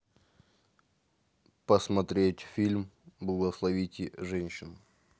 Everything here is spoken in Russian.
посмотреть фильм благословите женщину